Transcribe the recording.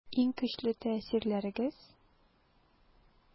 Иң көчле тәэсирләрегез?